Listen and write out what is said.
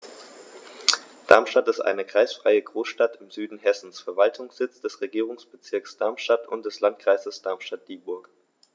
Darmstadt ist eine kreisfreie Großstadt im Süden Hessens, Verwaltungssitz des Regierungsbezirks Darmstadt und des Landkreises Darmstadt-Dieburg.